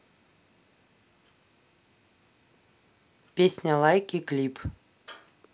песня лайки клип